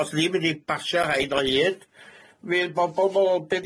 os ni'n mynd i basio hein o hyd fydd bo- bobol be'